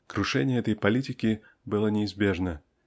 Крушение этой политики было неизбежно